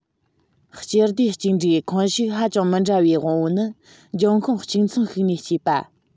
སྤྱི སྡེ གཅིག འདྲའི ཁོངས ཞུགས ཧ ཅང མི འདྲ བའི དབང པོ ནི འབྱུང ཁུངས གཅིག མཚུངས ཤིག ནས སྐྱེས པ